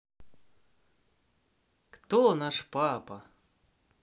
кто наш папа